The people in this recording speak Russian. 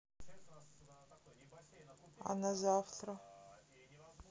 а на завтра